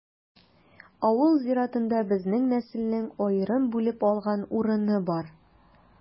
Авыл зиратында безнең нәселнең аерым бүлеп алган урыны бар.